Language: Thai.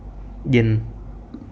เย็น